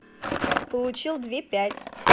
получил две пять